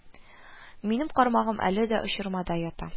Минем кармагым әле дә очырмада ята